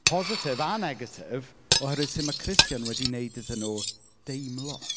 Positif a negatif oherwydd sut mae Cristion wedi wneud iddyn nhw deimlo.